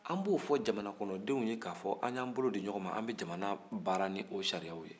an b'o fɔ jamana kɔnɔdenw ye k'a fɔ an y'an bolo di ɲɔgɔn ma an bɛ jamana baara ni o sariya ye